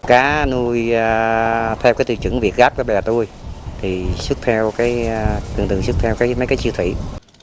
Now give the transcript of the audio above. cá nuôi theo cái tiêu chuẩn việt gáp cái bè tôi thì xuất theo cái thường thường xuất theo mấy cái siêu thị